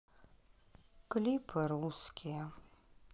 клипы русские